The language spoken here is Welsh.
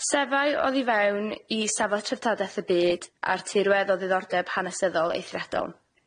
Sefai oddi fewn i safle tryftadaeth y byd a'r tirwedd o ddiddordeb hanesyddol eithriadol.